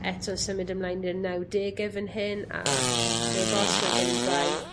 Eto'n symud ymlaen i'r nawdege fyn hyn a heb os nag oni bai,